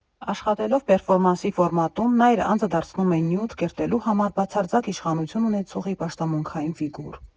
Աշխատելով պերֆորմանսի ֆորմատում՝ նա իր անձը դարձնում է նյութ՝ կերտելու համար բացարձակ իշխանություն ունեցողի պաշտամունքային ֆիգուր»։